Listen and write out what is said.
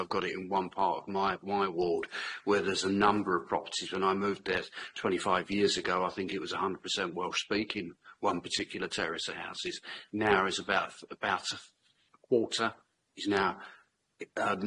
I've got it in one part of my my ward where there's a number of properties when I moved there twenty five years ago I think it was a hundred percent Welsh speaking one particular terrace of houses now it's about about a quarter is now uh